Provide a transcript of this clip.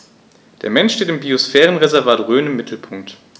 Der Mensch steht im Biosphärenreservat Rhön im Mittelpunkt.